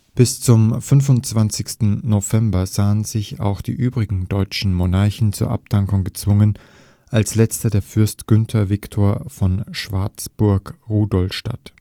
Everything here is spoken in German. Bis zum 25. November sahen sich auch die übrigen deutschen Monarchen zur Abdankung gezwungen, als letzter der Fürst Günther Victor von Schwarzburg Rudolstadt